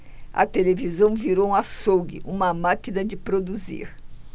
a televisão virou um açougue uma máquina de produzir